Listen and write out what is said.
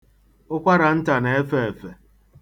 Ụkwaranta na-efe efe.